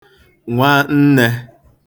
nwannē